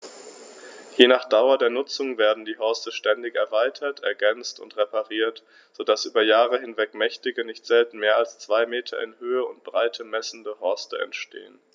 Je nach Dauer der Nutzung werden die Horste ständig erweitert, ergänzt und repariert, so dass über Jahre hinweg mächtige, nicht selten mehr als zwei Meter in Höhe und Breite messende Horste entstehen.